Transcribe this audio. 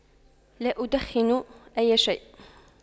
لا أدخن أي شيء